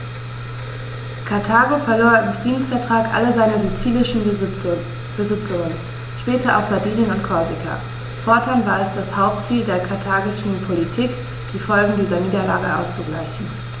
Karthago verlor im Friedensvertrag alle seine sizilischen Besitzungen (später auch Sardinien und Korsika); fortan war es das Hauptziel der karthagischen Politik, die Folgen dieser Niederlage auszugleichen.